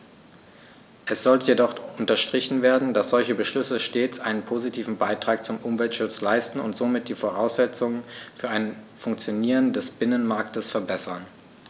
Es sollte jedoch unterstrichen werden, dass solche Beschlüsse stets einen positiven Beitrag zum Umweltschutz leisten und somit die Voraussetzungen für ein Funktionieren des Binnenmarktes verbessern.